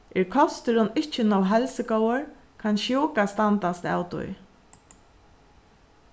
er kosturin ikki nóg heilsugóður kann sjúka standast av tí